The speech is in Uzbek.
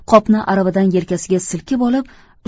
qopni aravadan yelkasiga silkib olib